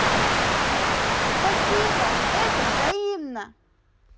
спасибо это взаимно